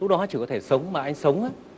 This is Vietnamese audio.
đó chỉ có thể sống mà anh sống á